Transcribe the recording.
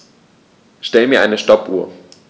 Stell mir eine Stoppuhr.